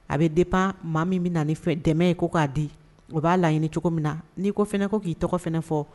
A bɛ de pan maa min bɛ na dɛmɛ ye ko k'a di u b'a laɲini cogo min na n'i ko f fana ko k'i tɔgɔ fana fɔ